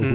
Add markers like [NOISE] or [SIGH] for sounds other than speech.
[HESITATION] [HESITATION]